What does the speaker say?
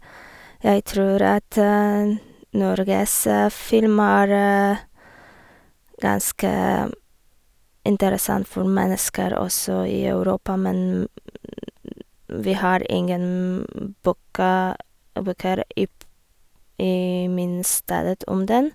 Jeg tror at Norges film er ganske interessant for mennesker også i Europa, men vi har ingen boka bøker i p i min stedet om den.